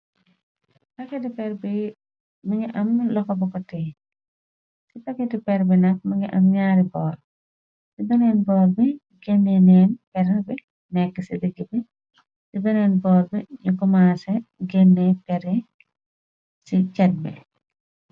Paketi peer bi, mi ngi am loxo bu ko tiye, ci paketi per bi nak mi ngi am ñaari boor, ci baneen boor bi génneneen per bi nekk ci digg bi, ci baneen boor bi ñu kumaasé génne peeri ci cet bi.